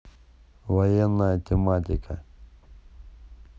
военная тематика